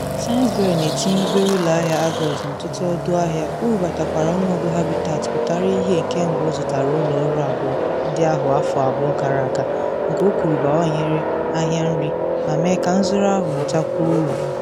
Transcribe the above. Sainsbury na etinye obere ụlọ ahịa Argos n’ọtụtụ ọdụ ahịa, o bubatakwara ọnụọgụ Habitats pụtara ihie kemgbe ọ zụtara ụlọ ọrụ abụọ ndị ahụ afọ abụọ gara aga, nke o kwuru bawanyere ahịa nri ma mee ka nzụrụ ahụ mụtakwuo uru.